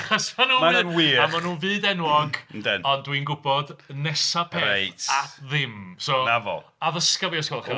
Achos mae... Maen nhw'n wych! ...A ma nhw'n fyd enwog... Yndyn... Ond dwi'n gwybod nesa' peth at ddim... 'Na fo. ...Addysga fi os gwelwch yn dda